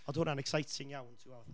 Oedd hwnna'n exciting iawn, ti'n gwybod.